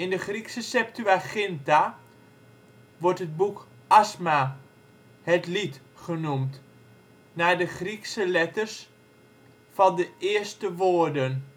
de Griekse Septuaginta wordt het boek ASMA (het lied) genoemd naar de Griekse letters van de eerste woorden